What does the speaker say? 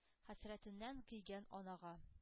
Хәсрәтеннән көйгән анага.